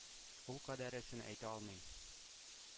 Ул кадәресен әйтә алмыйм.